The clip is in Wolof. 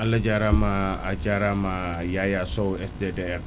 wa salaam